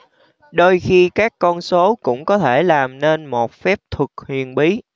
đôi khi các con số cũng có thể làm nên một phép thuật huyền bí